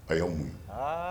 A y'aw muɲun